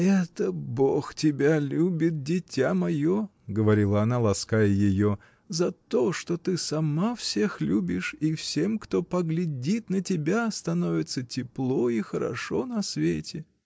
— Это Бог тебя любит, дитя мое, — говорила она, лаская ее, — за то, что ты сама всех любишь, и всем, кто поглядит на тебя, становится тепло и хорошо на свете!.